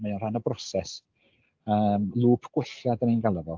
Mae o'n rhan o broses, yym lŵp gwella dan ni'n galw fo.